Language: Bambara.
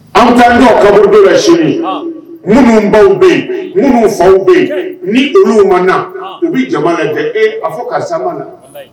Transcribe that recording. An taara kɛ o dɔ seere ye, an, minnu baw bɛ yen minnu faw bɛ yen ni, un, n’olu ma na u bɛ jama lajɛ, ee ka fɔ ko karisa ma na, walahi